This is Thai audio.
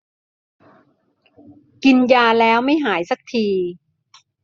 กินยาแล้วไม่หายสักที